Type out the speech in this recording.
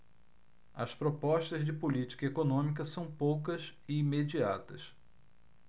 as propostas de política econômica são poucas e imediatas